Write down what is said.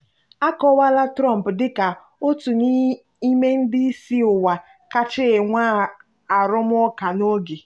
A kọwaala Trump dịka "otu n'ime ndị isi ụwa kachasị enwe arụm ụka n'oge a".